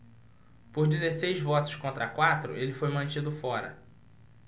por dezesseis votos contra quatro ele foi mantido fora